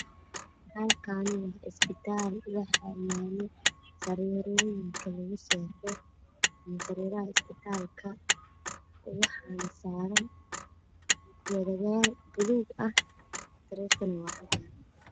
Halkaan waa isbitaal waxaa yaalo sariirooyinka lugu seexdo waxaa saaran joodariyaal buluug ah, sariirta waa cadaan.